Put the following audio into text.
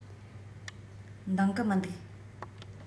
འདང གི མི འདུག